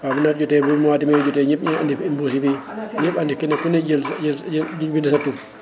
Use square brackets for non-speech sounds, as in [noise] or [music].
waaw [noise] bu nawet jotee bu mois de mai jotee ñëpp [noise] ñooy andi ay mbuus yi fii [crosstalk] ñëpp andi kenn ku ne jël jël jël di bind sa tur [noise]